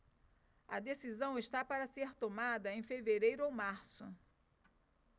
a decisão está para ser tomada em fevereiro ou março